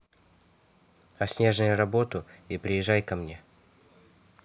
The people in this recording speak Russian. а снежные работу и при приезжай ко мне